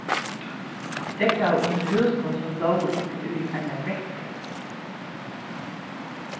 vit steðgaðu undir húsunum sum lógu uppi í einari brekku